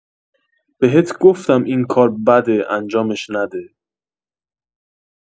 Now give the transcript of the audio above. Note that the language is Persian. بهت گفتم این کار بده انجامش نده